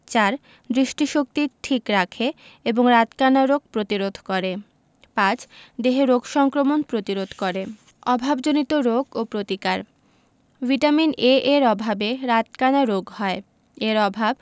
৪. দৃষ্টিশক্তি ঠিক রাখে এবং রাতকানা রোগ প্রতিরোধ করে ৫. দেহে রোগ সংক্রমণ প্রতিরোধ করে অভাবজনিত রোগ ও প্রতিকার ভিটামিন A এর অভাবে রাতকানা রোগ হয় এর অভাব